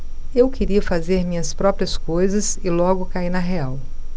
eu queria fazer minhas próprias coisas e logo caí na real